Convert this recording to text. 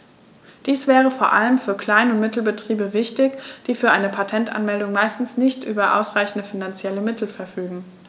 Dies wäre vor allem für Klein- und Mittelbetriebe wichtig, die für eine Patentanmeldung meistens nicht über ausreichende finanzielle Mittel verfügen.